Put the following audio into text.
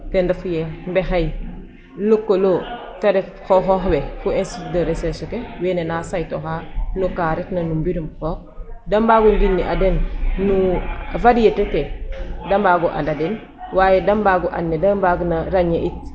IZRA cooxta waaga institut de recherche ke mais yakaaraam ee mene ke wareena war o fi' ten refu yee mbexey lekolo te ref xooxoox we fo institut de recherche ke wene na saytuwa no ka ret na no mbirum qooq da mbaag o njiriñaa den no varieté fe